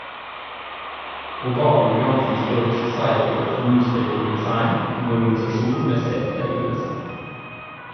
Og bak konkurransen står Society of Newspaper Design, en organisasjon med sete i USA.